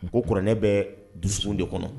Ko kuranɛ bɛ dusus de kɔnɔ